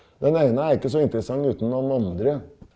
den ene er ikke så interessant uten dem andre.